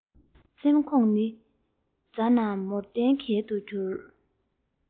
སེམས ཁོང གི མཛའ ན མོར གཏན འགལ དུ གྱུར